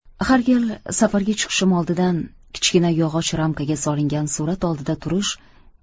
har yil safarga chiqishim oldidan kichkina yog'och ramkaga solingan surat oldida turish